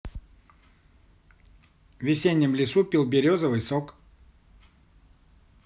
весеннем лесу пил березовый сок